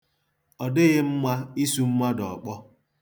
Ọ dịghị mma isu mmadụ ọkpọ.